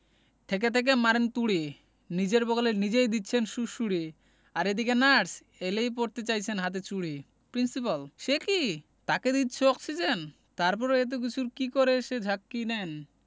থেকে থেকে মারেন তুড়ি নিজের বগলে নিজেই দিচ্ছেন সুড়সুড়ি আর এদিকে নার্স এলেই পরতে চাইছেন হাতে চুড়ি প্রিন্সিপাল সে কি তাকে দিচছ অক্সিজেন তারপরেও এত কিছুর কি করে সে ঝক্কি নেন